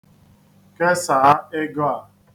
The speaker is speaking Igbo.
Kesaa ego a.